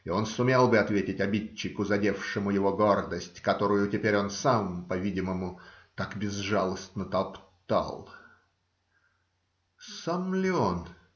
И он сумел бы ответить обидчику, задевшему его гордость, которую теперь он сам, по-видимому, так безжалостно топтал. Сам ли он?